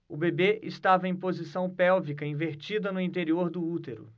o bebê estava em posição pélvica invertida no interior do útero